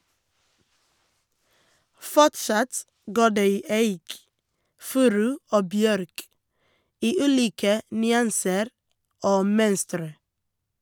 Fortsatt går det i eik, furu og bjørk - i ulike nyanser og mønstre.